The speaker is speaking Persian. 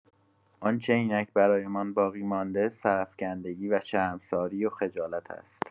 آن‌چه اینک برایمان باقی‌مانده سرافکندگی و شرمساری و خجالت است.